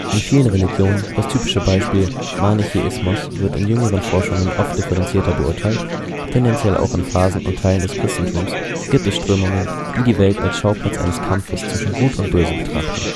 In vielen Religionen (das typische Beispiel Manichäismus wird in jüngeren Forschungen oft differenzierter beurteilt), tendenziell auch in Phasen und Teilen des Christentums, gibt es Strömungen, die die Welt als Schauplatz eines Kampfes zwischen „ Gut “und „ Böse “betrachten